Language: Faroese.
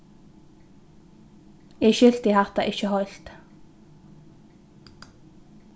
eg skilti hatta ikki heilt